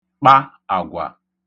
kpa àgwà